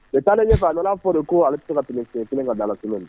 I taa ale ɲɛ a n fɔ de ko ale se ka tɛmɛ so kelen ka da la tuguni